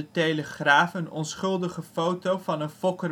Telegraaf een onschuldige foto van een FOK